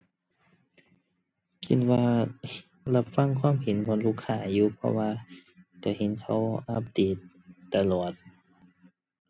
คิดว่า รับฟังความเห็นของลูกค้าอยู่ เพราะว่าก็เห็นเขาอัปเดตตลอด